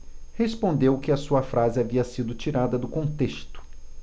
respondeu que a sua frase havia sido tirada do contexto